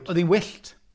O'dd hi'n wyllt,